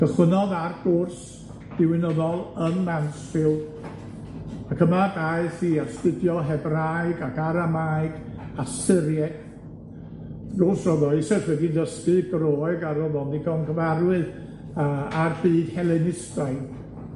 Cychwynnodd â'r gwrs diwinyddol yn Mansfield, ac yma daeth i astudio Hebraeg ac Aramaeg a Syriac, ro'dd o eisoes wedi dysgu Groeg a rodd o'n ddigon gyfarwydd â â'r byd Helenistaidd.